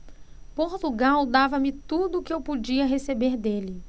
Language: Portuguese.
portugal dava-me tudo o que eu podia receber dele